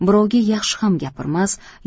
birovga yaxshi ham gapirmas